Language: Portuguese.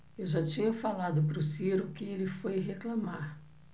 eu já tinha falado pro ciro que ele foi reclamar